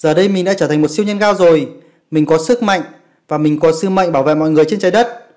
giờ mình đã là siêu nhân gao